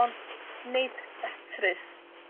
Ond nid datrys